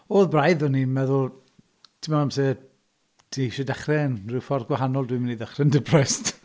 Oedd braidd, o'n i'n meddwl... ti'n meddwl ti isie dechrau'n rhyw ffordd gwahanol dwi'n mynd i ddechrau'n depressed.